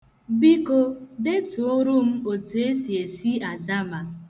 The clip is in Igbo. Biko, detuoro m etu e sì èsì azama.